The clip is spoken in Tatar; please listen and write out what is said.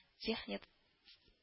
Техник